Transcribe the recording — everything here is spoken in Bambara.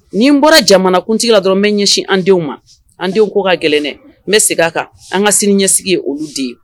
Nin n bɔra jamanakuntigi la dɔrɔn mɛn ɲɛsin an denw ma an denw ko ka gɛlɛn n bɛ segin a kan an ka sini ɲɛsigi ye olu de ye